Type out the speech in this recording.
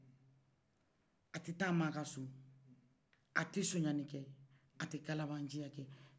a tɛ taa maa ka so a tɛ suɲanlikɛ a tɛ kalanbaacia kɛ